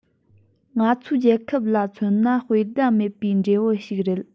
ང ཚོའི རྒྱལ ཁབ ལ མཚོན ན དཔེ ཟླ མེད པའི འབྲས བུ ཞིག རེད